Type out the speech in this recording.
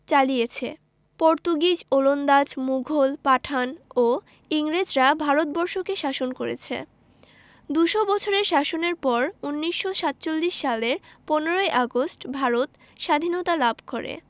শোষণ চালিয়েছে পর্তুগিজ ওলন্দাজ মুঘল পাঠান ও ইংরেজরা ভারত বর্ষকে শাসন করেছে দু'শ বছরের শাসনের পর ১৯৪৭ সালের ১৫ ই আগস্ট ভারত সাধীনতা লাভ করে